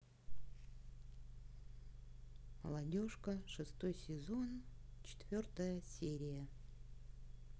молодежка шестой сезон четвертая серия